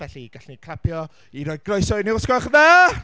Felly gallwn ni clapio i roi groeso i nhw os gwelwch yn dda!